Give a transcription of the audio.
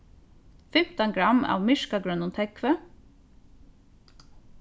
fimtan gramm av myrkagrønum tógvi